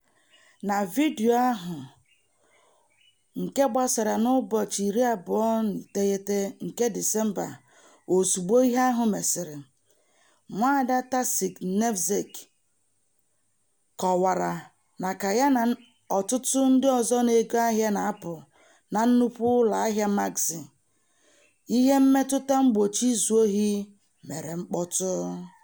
Na vidiyo ahụ, nke gbasara n'ụbọchị 29 nke Disemba ozugbo ihe ahụ mesịrị, NwaadaTasić Knežević kọwara na ka ya na ọtụtụ ndị ọzọ na-ego ahịa na-apụ na nnukwu ụlọ ahịa Maxi, ihe mmetụta mgbochi izu ohi mere mkpọtụ.